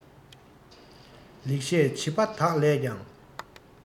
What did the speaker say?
ལེགས བཤད བྱིས པ དག ལས ཀྱང